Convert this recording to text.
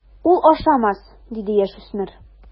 Ул ашамас, - диде яшүсмер.